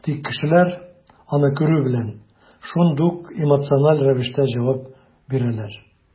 Тик кешеләр, аны күрү белән, шундук эмоциональ рәвештә җавап бирәләр.